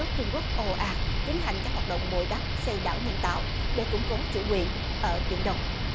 lúc trung quốc ồ ạt tiến hành các hoạt động bồi đắp xây đảo nhân tạo để củng cố chủ quyền ở biển đông